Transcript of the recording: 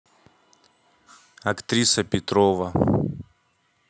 актриса петрова